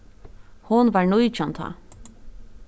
hon var nítjan tá